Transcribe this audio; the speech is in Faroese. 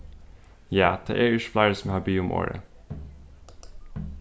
ja tað eru ikki fleiri sum hava biðið um orðið